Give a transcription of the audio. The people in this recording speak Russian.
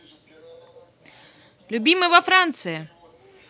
любимый во франции